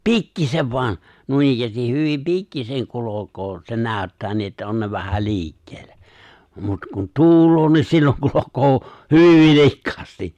pikkuisen vain noinikään hyvin pikkuisen kulkee se näyttää niin että on ne vähän liikkeellä mutta kun tuulee niin silloin kulkee hyvin vilkkaasti